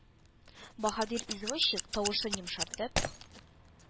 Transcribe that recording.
Баһадир извозчик, тавышын йомшартып,